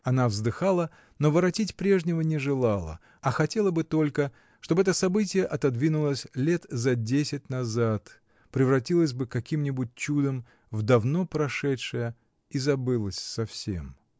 Она вздыхала, но воротить прежнего не желала, а хотела бы только, чтоб это событие отодвинулось лет за десять назад, превратилось бы каким-нибудь чудом в давнопрошедшее и забылось совсем.